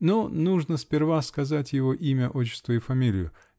Но нужно сперва сказать его имя, отчество и фамилию.